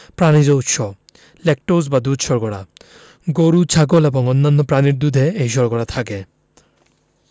প্রানিজ উৎস ল্যাকটোজ বা দুধ শর্করা গরু ছাগল এবং অন্যান্য প্রাণীর দুধে এই শর্করা থাকে